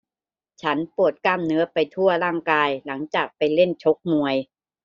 ฉันปวดกล้ามเนื้อไปทั่วร่างกายหลังจากไปเล่นชกมวย